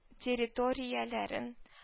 Территорияләрен